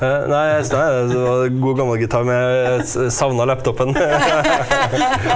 nei hadde god gammal gitar, men jeg savna laptopen .